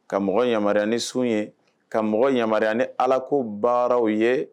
Ka mɔgɔ yamaruya ni sun ye ka mɔgɔ yamaruya ni ala ko baaraw ye